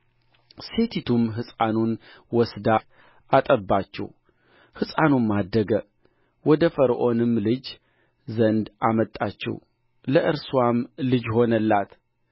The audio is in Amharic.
ሴቲቱም ሕፃኑን ወስዳ አጠባችው ሕፃኑም አደገ ወደ ፈርዖንም ልጅ ዘንድ አመጣችው ለእርስዋም ልጅ ሆነላት